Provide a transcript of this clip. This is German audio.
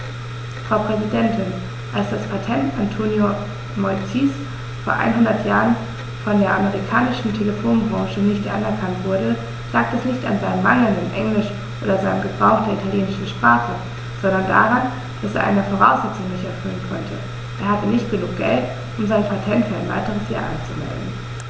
Frau Präsidentin, als das Patent Antonio Meuccis vor einhundert Jahren von der amerikanischen Telefonbranche nicht anerkannt wurde, lag das nicht an seinem mangelnden Englisch oder seinem Gebrauch der italienischen Sprache, sondern daran, dass er eine Voraussetzung nicht erfüllen konnte: Er hatte nicht genug Geld, um sein Patent für ein weiteres Jahr anzumelden.